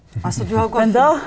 altså du har gått fra .